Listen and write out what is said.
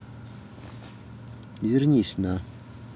вернись на